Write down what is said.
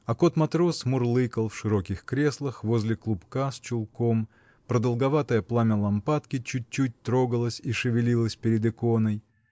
а кот Матрос мурлыкал в широких креслах возле клубка с чулком, продолговатое пламя лампадки чуть-чуть трогалось и шевелилось перед иконой